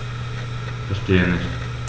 Verstehe nicht.